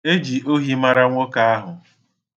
Eji ohi mara nwoke ahụ